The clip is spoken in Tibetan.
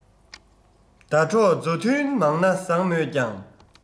ཟླ གྲོགས མཛའ མཐུན མང ན བཟང མོད ཀྱང